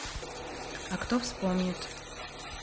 а кто вспомнит